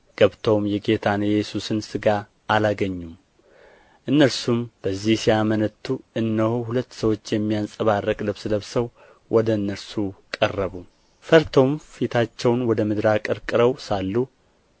ገብተውም የጌታን የኢየሱስን ሥጋ አላገኙም እነርሱም በዚህ ሲያመነቱ እነሆ ሁለት ሰዎች የሚያንጸባርቅ ልብስ ለብሰው ወደ እነርሱ ቀረቡ ፈርተውም ፊታቸውን ወደ ምድር አቀርቅረው ሳሉ